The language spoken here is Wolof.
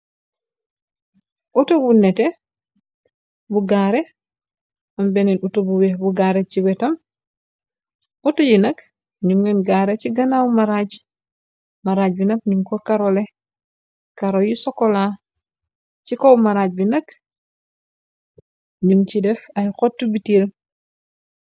Auto bu nete bu gaare. Am beneen auto bu weex bu gaare ci wetam. Auto yi nag ñu ngeen gaare ci ganaaw maraaj. Maraaj bi nag ñug ko karole karo yu sokolaa. Ci kow maraaj bi nag ñug ci def ay xott biteel.